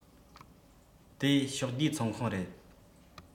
དེ ཕྱོགས བསྡུས ཚོགས ཁང རེད